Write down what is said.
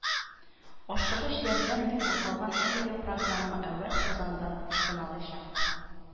Ашыгыч ярдәм дип аталган әлеге программа әүвәл Казанда сыналачак